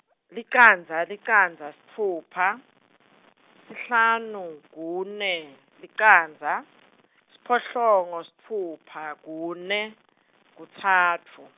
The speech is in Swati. licandza, licandza, sitfupha, sihlanu, kune, licandza, siphohlongo, sitfupha, kune, kutsatfu.